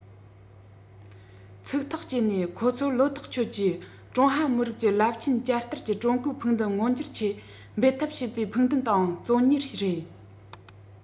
ཚིག ཐག བཅད ནས ཁོ ཚོར བློ ཐག ཆོད ཀྱིས ཀྲུང ཧྭ མི རིགས ཀྱི རླབས ཆེན བསྐྱར དར གྱི ཀྲུང གོའི ཕུགས འདུན མངོན འགྱུར ཆེད འབད འཐབ བྱེད པའི ཕུགས འདུན དང བརྩོན གཉེར རེད